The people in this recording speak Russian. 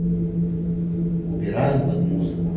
убираем под музыку